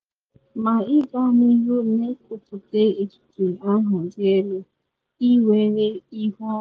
Ma ị gaa n’ihu na nkwupute ekike ahụ dị elu - ị nwere ihu ọma.